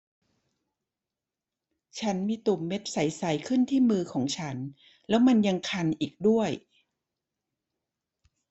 ฉันมีตุ่มเม็ดใสใสขึ้นที่มือของฉันแล้วมันยังคันอีกด้วย